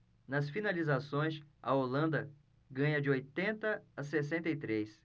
nas finalizações a holanda ganha de oitenta a sessenta e três